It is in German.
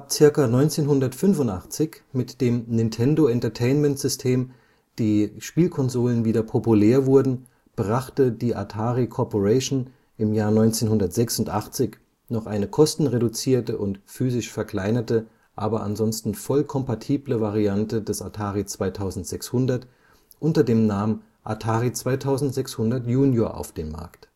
ca. 1985 mit dem Nintendo Entertainment System die Spielkonsolen wieder populär wurden, brachte die Atari Corporation 1986 noch eine kostenreduzierte und physisch verkleinerte, aber ansonsten voll kompatible Variante des Atari 2600 unter dem Namen Atari 2600 Junior auf den Markt